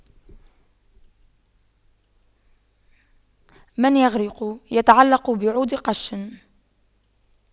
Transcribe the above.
من يغرق يتعلق بعود قش